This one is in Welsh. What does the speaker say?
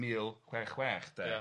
mil chwech chwech 'de... Ia...